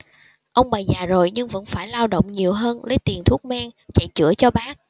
ông bà già rồi nhưng vẫn phải lao động nhiều hơn lấy tiền thuốc men chạy chữa cho bác